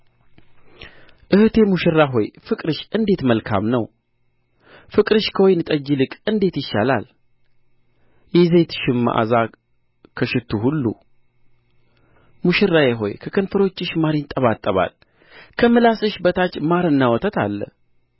እኅቴ ሙሽራ ሆይ ፍቅርሽ እንዴት መልካም ነው ፍቅርሽ ከወይን ጠጅ ይልቅ እንዴት ይሻላል የዘይትሽም መዓዛ ከሽቱ ሁሉ ሙሽራዬ ሆይ ከከንፈሮችሽ ማር ይንጠበጠባል ከምላስሽ በታች ማርና ወተት አለ